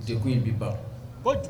Dekun in bi ban koju